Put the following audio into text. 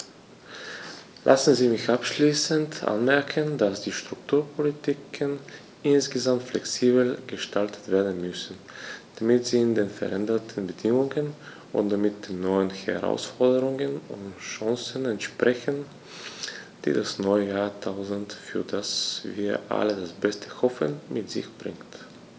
Lassen Sie mich abschließend anmerken, dass die Strukturpolitiken insgesamt flexibler gestaltet werden müssen, damit sie den veränderten Bedingungen und damit den neuen Herausforderungen und Chancen entsprechen, die das neue Jahrtausend, für das wir alle das Beste hoffen, mit sich bringt.